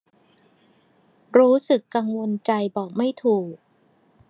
รู้สึกกังวลใจบอกไม่ถูก